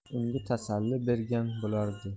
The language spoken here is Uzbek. unga tasalli bergan bo'lardi